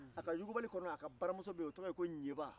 a ka yugubali kɔnɔna la a ka baramuso bɛ yen o tɔgɔ ko ɲeba